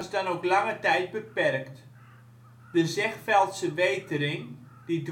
dan ook lange tijd beperkt. De Zegveldse wetering, die